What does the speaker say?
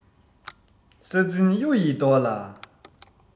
ས འཛིན གཡུ ཡི མདོག ལ